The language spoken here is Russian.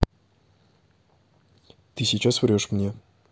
ты сейчас врешь мне